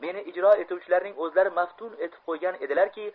meni ijro etuvchilarning o'zlari maftun etib qo'ygan edilarki